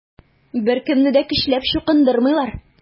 Беркемне дә көчләп чукындырмыйлар.